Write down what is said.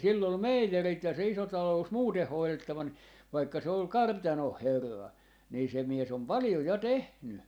ja sillä oli meijerit ja se iso talous muuten hoidettava niin vaikka se oli kartanon herra niin se mies on paljon ja tehnyt